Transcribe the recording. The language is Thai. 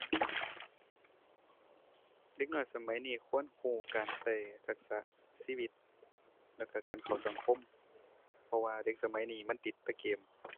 เด็กน้อยสมัยนี้ควรรู้การรู้ทักษะชีวิตแล้วรู้การเข้าสังคม เพราะว่าเด็กสมัยนี้มันติดแต่เกม